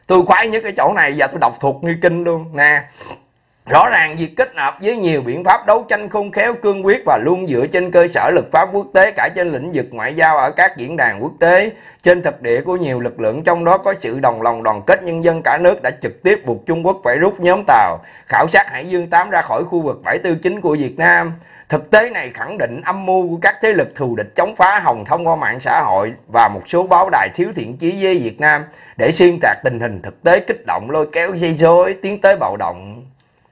tôi khoái nhất cái chỗ này giờ tôi đọc thuộc như kinh luôn nè rõ ràng việc kết hợp với nhiều biện pháp đấu tranh khôn khéo cương quyết và luôn dựa trên cơ sở luật pháp quốc tế cả trên lĩnh vực ngoại giao ở các diễn đàn quốc tế trên thực địa của nhiều lực lượng trong đó có sự đồng lòng đoàn kết nhân dân cả nước đã trực tiếp buộc trung quốc phải rút nhóm tàu khảo sát hải dương tám ra khỏi khu vực bãi tư chính của việt nam thực tế này khẳng định âm mưu các thế lực thù địch chống phá hòng thông qua mạng xã hội và một số báo đại thiếu thiện chí với việt nam để xuyên tạc tình hình thực tế kích động lôi kéo gây rối tiến tới bạo động